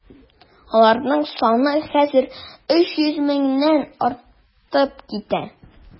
Аларның саны хәзер 300 меңнән артып китә.